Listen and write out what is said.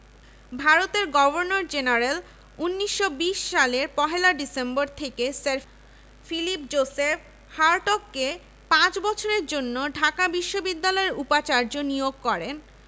ভারতের governor general ১৯২০ সালের ১ December থেকে স্যার ফিলিপ জোসেফ হার্টগকে পাঁচ বছরের জন্য ঢাকা বিশ্ববিদ্যালয়ের উপাচার্য নিয়োগ করেন